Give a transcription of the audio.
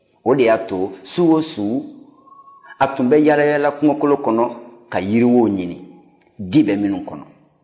o de y'a to su o su a tun bɛ yaalayaala kungo kolon kɔnɔ ka yiriwow ɲini di bɛ minnu kɔnɔ